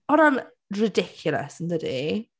Hwnna’n ridiculous, yn dydi?